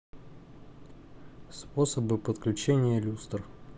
способы подключения люстр